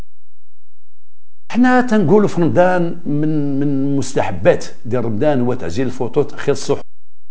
احنا نقول فنجان من مستحبات جردانو تنزيل فوتو تخيط